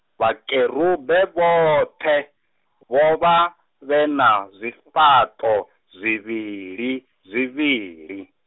Vhakerube vhoṱhe, vho vha, vhena, zwifhaṱo, zwivhilizwivhili.